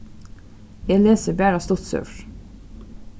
eg lesi bara stuttsøgur